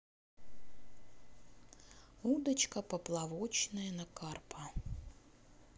удочка поплавочная на карпа